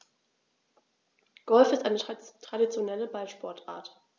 Golf ist eine traditionelle Ballsportart.